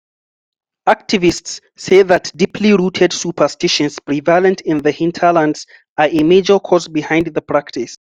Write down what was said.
Activists say that deeply rooted superstitions prevalent in the hinterlands are a major cause behind the practice.